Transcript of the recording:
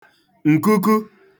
ǹkuku